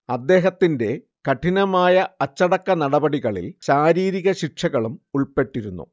അദ്ദേഹത്തിന്റെ കഠിനമായ അച്ചടക്കനടപടികളിൽ ശാരീരിക ശിക്ഷകളും ഉൾപ്പെട്ടിരുന്നു